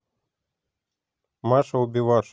маша убиваша